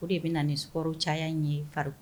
Ko de bɛ nin sumaworo caya in ye farikolo